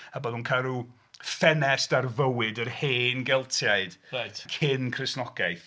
A bod nhw'n cael rhyw ffenest ar fywyd yr hen Geltiaid... Reit... Cyn Cristnogaeth.